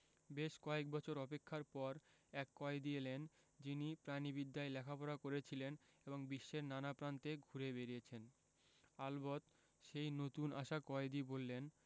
বেশ কয়েক বছর অপেক্ষার পর এক কয়েদি এলেন যিনি প্রাণিবিদ্যায় লেখাপড়া করেছিলেন এবং বিশ্বের নানা প্রান্তে ঘুরে বেড়িয়েছেন আলবত সেই নতুন আসা কয়েদি বললেন